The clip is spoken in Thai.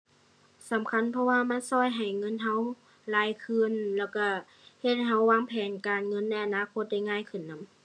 สำคัญเพราะว่ามันช่วยให้เงินช่วยหลายขึ้น แล้วช่วยเฮ็ดให้ช่วยวางแผนการเงินในอนาคตได้ง่ายขึ้นนำ